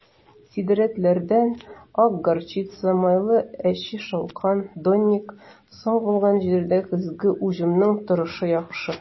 Сидератлардан (ак горчица, майлы әче шалкан, донник) соң булган җирдә көзге уҗымның торышы яхшы.